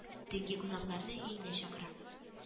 Төнге кунакларны өенә чакыра